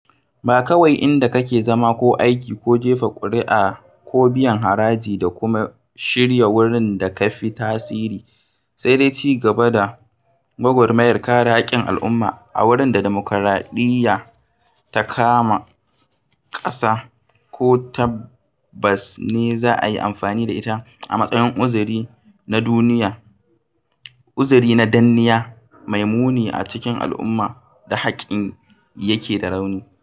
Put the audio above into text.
Ba kawai inda kake zama ko aiki ko jefa ƙuria ko biyan haraji da kuma shirya wurin da ka fi tasiri, sai dai cibaya ga gwagwarmayar kare haƙƙin al'umma a wurin da dimukraɗiyya ta kama ƙasa to tabbas ne za a yi amfani da ita a matsayin uzuri na danniya mai muni a cikin al'ummar da haƙƙin yake da rauni.